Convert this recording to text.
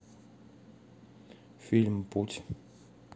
фильм путь